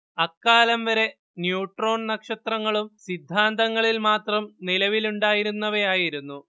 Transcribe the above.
അക്കാലം വരെ ന്യൂട്രോൺ നക്ഷത്രങ്ങളും സിദ്ധാന്തങ്ങളിൽ മാത്രം നിലവിലുണ്ടായിരുന്നവയായിരുന്നു